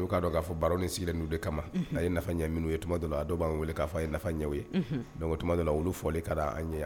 N' k'a dɔn'a fɔ baara ni siri n' de kama'a ye nafa ɲɛ minnu ye dɔ la a dɔw b'an wele k'a fɔ ye nafa ɲɛ ye bɛnkoda la olu fɔ ka' an ɲɛ